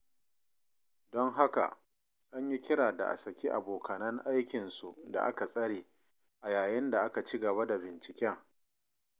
Don haka, anyi kira da a saki abokanan aikin su da aka tsare, a yayin da aka ci gaba da binciken.